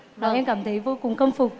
làm em cảm thấy vô cùng khâm phục